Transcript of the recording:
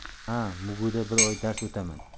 ha mguda bir oy dars o'taman